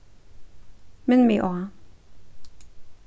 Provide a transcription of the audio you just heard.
minn meg á